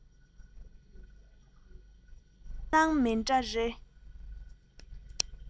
བསམ སྣང མི འདྲ རེ